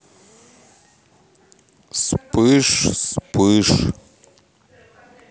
спыш спыш